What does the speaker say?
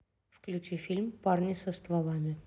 включи фильм парни со стволами